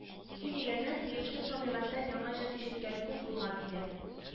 Көй дигәннән, Биюшнең табигатьтән яңа җыр ишеткәне күп булган иде